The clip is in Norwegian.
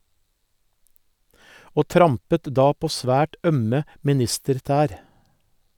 Og trampet da på svært ømme ministertær.